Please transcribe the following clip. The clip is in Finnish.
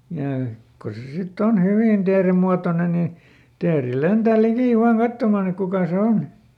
ja kun se sitten on hyvin teerenmuotoinen niin teeri lentää liki vain katsomaan että kuka se on